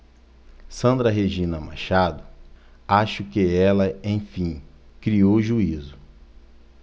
sandra regina machado acho que ela enfim criou juízo